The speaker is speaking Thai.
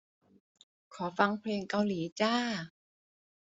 ขอฟังเพลงเกาหลีจ้า